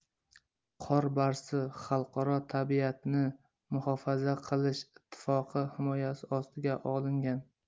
qor barsi xalqaro tabiatni muhofaza qilish ittifoqi himoyasi ostiga olingan